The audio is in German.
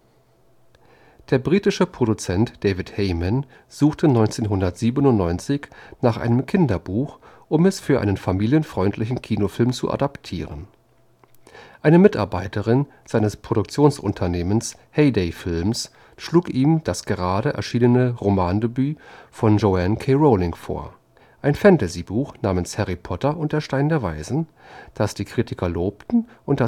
Der britische Produzent David Heyman suchte 1997 nach einem Kinderbuch, um es für einen familienfreundlichen Kinofilm zu adaptieren. Eine Mitarbeiterin seines Produktionsunternehmens Heyday Films schlug ihm das gerade erschienene Romandebüt von Joanne K. Rowling vor – ein Fantasybuch namens Harry Potter und der Stein der Weisen, das die Kritiker lobten und